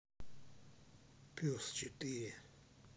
пес четыре